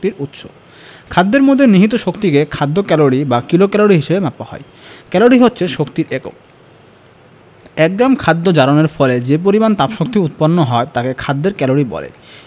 খাদ্যের মধ্যে নিহিত শক্তিকে খাদ্য ক্যালরি বা কিলোক্যালরি হিসেবে মাপা হয় ক্যালরি হচ্ছে শক্তির একক এক গ্রাম খাদ্য জারণের ফলে যে পরিমাণ তাপশক্তি উৎপন্ন হয় তাকে খাদ্যের ক্যালরি বলে